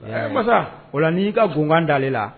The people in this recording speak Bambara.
Ko o la n'i'i ka gkan dalen la